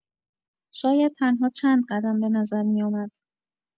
شاید تنها چند قدم به نظر می‌آمد.